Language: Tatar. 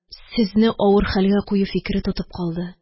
Сезне авыр хәлгә кую фикере тотып калды.